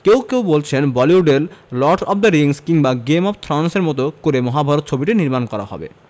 কেউ কেউ বলছেন হলিউডের লর্ড অব দ্য রিংস কিংবা গেম অব থ্রোনস এর মতো করে মহাভারত ছবিটি নির্মাণ করা হবে